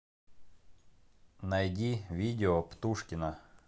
найди видео птушкина